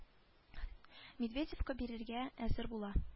Медведевка бирергә әзер була